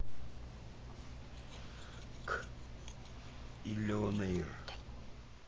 k jillionaire